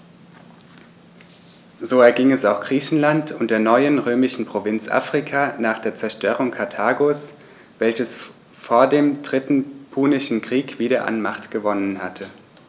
So erging es auch Griechenland und der neuen römischen Provinz Afrika nach der Zerstörung Karthagos, welches vor dem Dritten Punischen Krieg wieder an Macht gewonnen hatte.